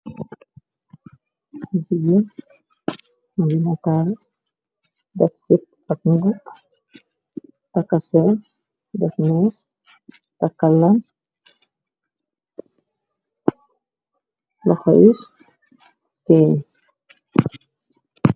Jigeen mugii nitalu def sit ak ngu taka cèèn def més taka lam loxo yi feen.